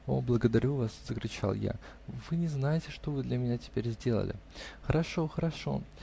-- О, благодарю вас, -- закричал я, -- вы не знаете, что вы для меня теперь сделали! -- Хорошо, хорошо!